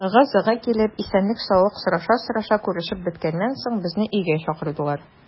Ыгы-зыгы килеп, исәнлек-саулык сораша-сораша күрешеп беткәннән соң, безне өйгә чакырдылар.